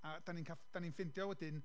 A dan ni'n ca- dan ni'n ffeindio wedyn